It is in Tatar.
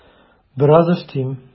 Бераз өстим.